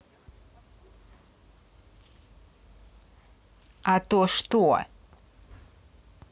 а то что